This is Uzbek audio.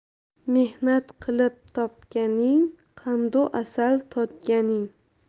mehnat qilib topganing qandu asal totganing